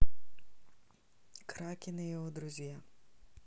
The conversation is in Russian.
кракен и его друзья